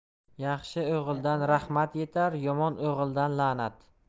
yaxshi o'g'ildan rahmat yetar yomon o'g'ildan la'nat